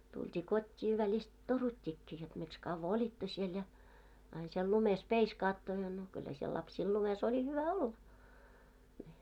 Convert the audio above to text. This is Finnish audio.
tultiin kotiin välistä toruttiinkin jotta miksi kauan olitte siellä ja aina siellä lumessa peiskaatte ja no kyllä siellä lapsilla lumessa oli hyvä olla niin